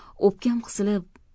o'pkam qisilib